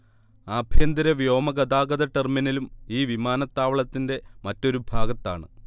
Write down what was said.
ആഭ്യന്തര വ്യോമഗതാഗത ടെർമിനലും ഈ വിമാനത്താവളത്തിന്റെ മറ്റൊരു ഭാഗത്താണ്